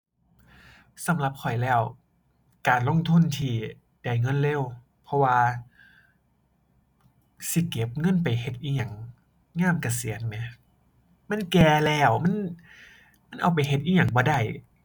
สำหรับข้อยแล้วการลงทุนที่ได้เงินเร็ว เพราะว่าสิเก็บเงินไปเฮ็ดอิหยังยามเกษียณแหม มันแก่แล้ว มัน มันเอาไปเฮ็ดอิหยังบ่ได้